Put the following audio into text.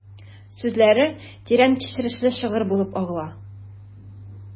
Сүзләре тирән кичерешле шигырь булып агыла...